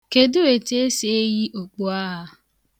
Kedu etu esi eyi okpuagha?